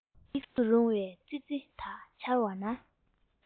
འཇིགས སུ རུང བའི ཙི ཙི དག འཆར བ ན